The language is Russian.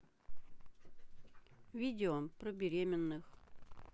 видео про беременных